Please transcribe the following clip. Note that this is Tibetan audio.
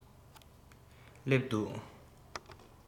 སླེབས འདུག